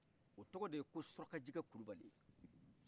o tɔgɔ de ye surakajɛkɛ kulubali